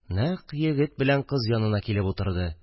Нәкъ егет белән кыз янына килеп утырды